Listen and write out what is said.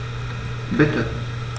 Bitte.